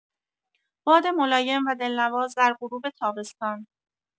باد ملایم و دل‌نواز در غروب تابستان